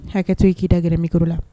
Hakɛ i k'i da gɛrɛmi la